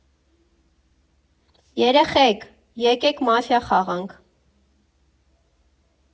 Երեխե՜ք, եկեք մաֆիա խաղանք։